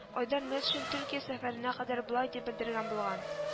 Айдар Метшин Төркия сәфәренә кадәр болай дип белдергән булган: